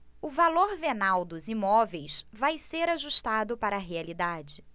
o valor venal dos imóveis vai ser ajustado para a realidade